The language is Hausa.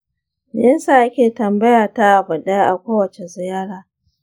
me yasa ake tambaya ta abu ɗaya a kowace ziyara?